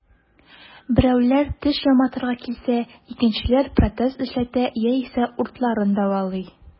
Берәүләр теш яматырга килсә, икенчеләр протез эшләтә яисә уртларын дәвалый.